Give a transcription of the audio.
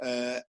yy